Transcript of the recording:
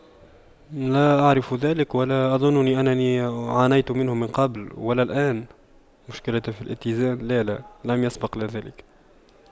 لا أعرف ذلك ولا أظنني انني عانيت منه من قبل ولا الآن مشكلة في الاتزان لا لا لم يسبق ذلك